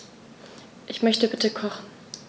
Ich möchte bitte kochen.